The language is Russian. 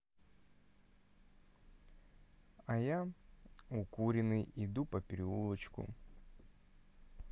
а я укуренный иду по переулочку